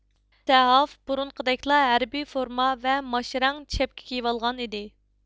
سەھاف بۇرۇنقىدەكلا ھەربىي فورما ۋە ماشرەڭ شەپكە كىيىۋالغان ئىدى